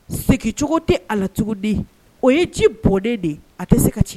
Segi cogo tɛ a la tuguni o ye ji bɔnlen de, a tɛ se ka cɛ.